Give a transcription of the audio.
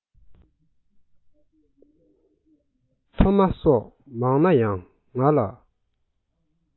མཐོ དམའ སོགས མང ན ཡང ང ལ